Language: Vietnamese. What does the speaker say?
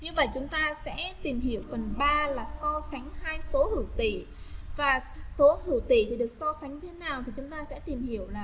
chúng ta sẽ tìm hiểu phần là so sánh hai số hữu tỉ và số hữu tỉ so sánh thế nào thì chúng ta sẽ tìm hiểu